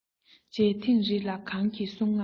མཇལ ཐེངས རེ ལ གང གི གསུང ངག ཐོས